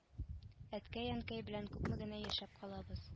Әткәй-әнкәй белән күпме генә яшәп калабыз